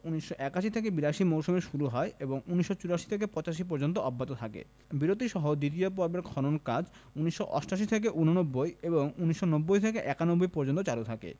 ১৯৮১ ৮২ মৌসুমে শুরু হয় এবং ১৯৮৪ ৮৫ পর্যন্ত অব্যাহত থাকে বিরতিসহ দ্বিতীয় পর্বের খনন কাজ ১৯৮৮ ৮৯ থেকে ১৯৯০ ৯১ পর্যন্ত চালু থাকে